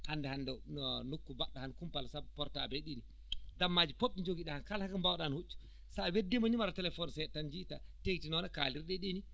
hannde hannde o nokku hannde baɗɗo humpal sabu portable be ɗi nii dammaaji fof ɗi njogiɗaa kala ko mbawɗaa heen huccu so a weddiima numéro téléphone seeɗa tan njiita teydi noon e kaalirɗe ɗee ɗiinin